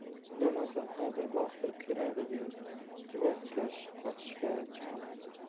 bo'lmasa hozir bostirib keladi deb juvozkash qochishga chog'landi